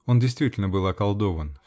Он действительно был околдовал.